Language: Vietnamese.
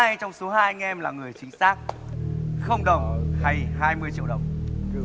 ai trong số hai anh em là người chính xác không đồng hay hai mươi triệu đồng